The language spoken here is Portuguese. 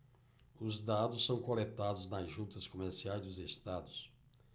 os dados são coletados nas juntas comerciais dos estados